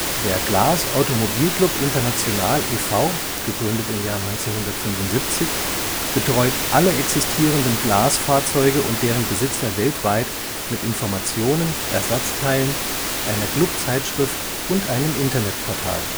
Der GLAS Automobilclub International e.V. (gegründet 1975) betreut alle existierenden Glas-Fahrzeuge und deren Besitzer weltweit mit Informationen, Ersatzteilen, einer Club-Zeitschrift und einem Internetportal